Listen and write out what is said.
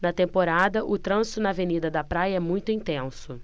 na temporada o trânsito na avenida da praia é muito intenso